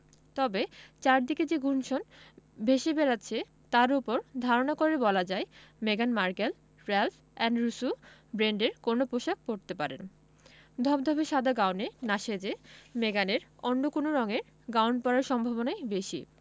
তবে চারদিকে যে গুঞ্জন ভেসে বেড়াচ্ছে তার ওপর ধারণা করে বলা যায় মেগান Markle Ralph and Russo ব্র্যান্ডের কোনো পোশাক পরতে পারেন ধবধবে সাদা গাউনে না সেজে মেগানের অন্য কোন রঙের গাউন পরার সম্ভাবনাই বেশি